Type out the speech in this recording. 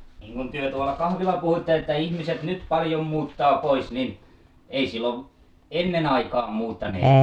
niin kun te tuolla kahvilla puhuitte että ihmiset nyt paljon muuttaa pois niin ei silloin ennen aikaan muuttaneet